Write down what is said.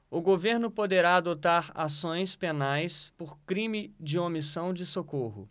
o governo poderá adotar ações penais por crime de omissão de socorro